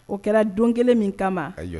O kɛra don kelen min kama